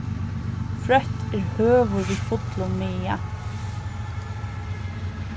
frøtt er høvur við fullum maga